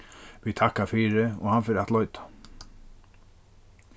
vit takka fyri og hann fer at leita